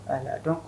Ayiwa dɔn